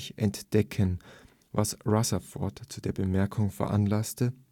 entdecken, was Rutherford zu der Bemerkung veranlasste